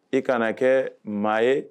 E kana na kɛ maa ye